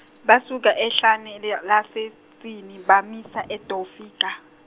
basuka ehlane le- laseSini bamisa eDofika.